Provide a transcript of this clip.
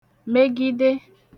megide